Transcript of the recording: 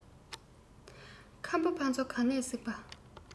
ཁམ བུ ཕ ཚོ ག ནས གཟིགས པ